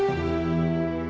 lan